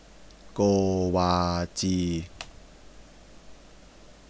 โกวาจี